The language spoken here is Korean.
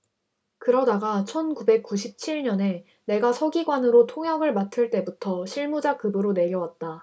그러다가 천 구백 구십 칠 년에 내가 서기관으로 통역을 맡을 때부터 실무자급으로 내려왔다